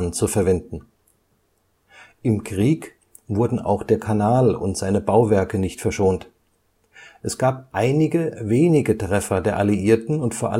zu verwenden. Im Krieg wurden auch der Kanal und seine Bauwerke nicht verschont – es gab einige wenige Treffer der Alliierten und vor